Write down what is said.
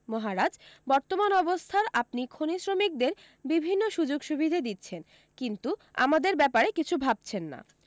মহারাজ বর্তমান অবস্থায় আপনি খনিশ্রমিকদের বিভিন্ন সু্যোগ সুবিধে দিচ্ছেন কিন্তু আমাদের ব্যাপারে কিছু ভাবছেন না